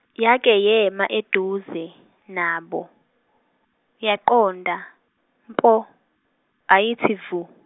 yake yema eduze nabo yaqonda mpo ayithi vu.